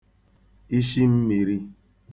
ishi mmīrī